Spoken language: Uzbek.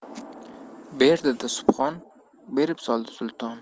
ber dedi subhon berib soldi sulton